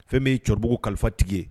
Fɛn min ye cɔribugu kalifatigi ye